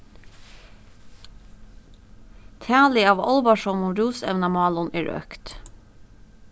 talið av álvarsomum rúsevnamálum er økt